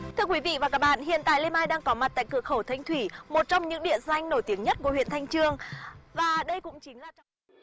thưa quý vị và các bạn hiện tại lê mai đang có mặt tại cửa khẩu thanh thủy một trong những địa danh nổi tiếng nhất của huyện thanh chương và đây cũng chính là